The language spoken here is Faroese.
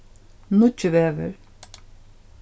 nýggivegur